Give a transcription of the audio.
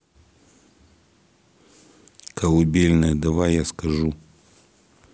колыбельная давай я скажу